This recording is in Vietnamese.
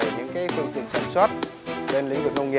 những cái phương tiện sản xuất trên lĩnh vực nông nghiệp